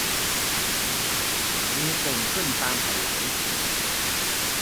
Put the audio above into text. มีตุ่มขึ้นตามแผ่นหลัง